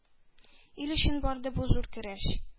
Ил өчен барды бу зур көрәш,